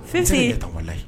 Fɛnse' ye tɔgɔ la ye